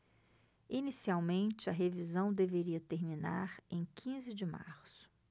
inicialmente a revisão deveria terminar em quinze de março